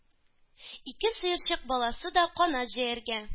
Ике сыерчык баласы да канат җәяргә